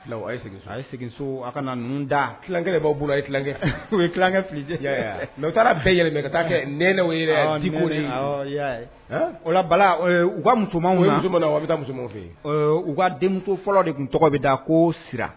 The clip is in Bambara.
A ye sigiso a ka ninnu dakɛ b'a bolo yekɛ u yekɛ fili mɛ u taara bɛɛ yɛlɛ ka taa kɛ n o bala u ka muso wa bɛ taa musoman fɛ u ka denmuso fɔlɔ de tun tɔgɔ bɛ da ko sira